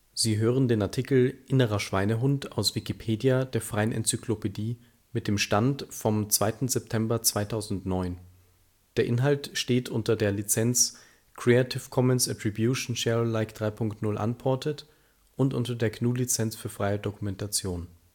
Sie hören den Artikel Innerer Schweinehund, aus Wikipedia, der freien Enzyklopädie. Mit dem Stand vom Der Inhalt steht unter der Lizenz Creative Commons Attribution Share Alike 3 Punkt 0 Unported und unter der GNU Lizenz für freie Dokumentation